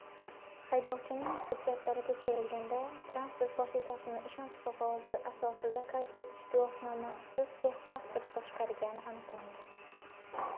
haydovchining hujjatlari tekshirilganda transport vositasini ishonch qog'ozi asosida qayd etish guvohnomasisiz texpasport boshqargani aniqlangan